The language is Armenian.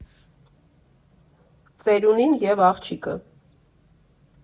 Ծերունին և աղջիկը։